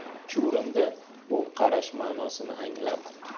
chuvrindi bu qarash ma'nosini anglab